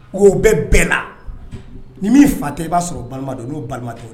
Ko bɛ bɛɛ la ni min fa tɛ i b'a sɔrɔ o balima don n'o balima tɛ